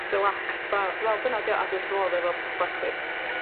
relaxed bra- dwi me'wl dyna 'di o a dwi wrth fy modd efo petha sbarcli.